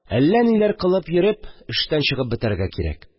Әллә ниләр кылып йөреп эштән чыгып бетәргә кирәк